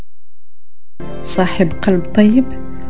صاحب قلب طيب